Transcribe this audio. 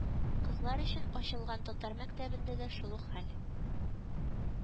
Кызлар өчен ачылган татар мәктәбендә дә шул ук хәл